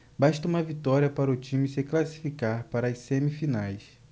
basta uma vitória para o time se classificar para as semifinais